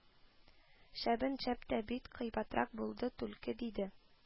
– шәбен шәп тә бит, кыйбатрак булды түлке, – диде